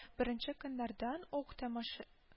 Беренче көннәрдән үк тәмача